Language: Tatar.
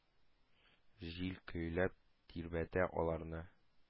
Җил көйләп тирбәтә аларны,